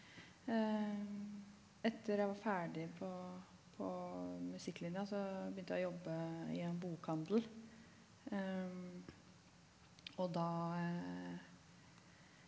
etter jeg var ferdig på på musikklinja så begynte jeg å jobbe i en bokhandel og da .